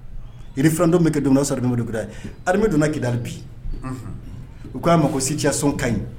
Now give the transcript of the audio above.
I bɛ fɛn dɔ mɛn ka don na sarde muld bilay, Armée don na Kidal bi, unhun, o ko'a ma ko situation ka ɲi